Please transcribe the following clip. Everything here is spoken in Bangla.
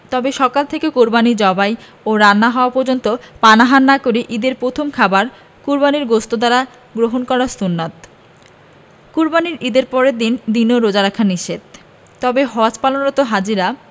তবে সকাল থেকে কোরবানি জবাই ও রান্না হওয়া পর্যন্ত পানাহার না করে দিনের প্রথম খাবার কোরবানির গোশত দ্বারা গ্রহণ করা সুন্নাত কোরবানির ঈদের পরের তিন দিনও রোজা রাখা নিষেধ তবে হজ পালনরত হাজিরা